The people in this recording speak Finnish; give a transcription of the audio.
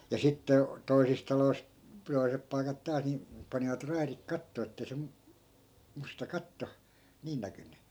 ja sitten toisissa taloissa toiset paikat taas niin panivat raidit kattoon että ei se - musta katto niin näkynyt